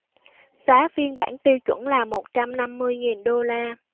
giá phiên bản tiêu chuẩn là một trăm năm mươi nghìn đô la